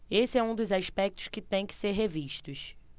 esse é um dos aspectos que têm que ser revistos